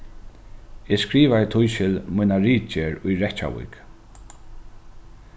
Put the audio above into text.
eg skrivaði tískil mína ritgerð í reykjavík